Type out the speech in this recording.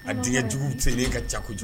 A denkɛ jugu selenlen ka jako kojugu